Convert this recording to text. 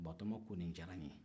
batoma ko nin diyara nin ye